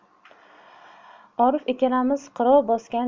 orif ikkalamiz qirov bosgan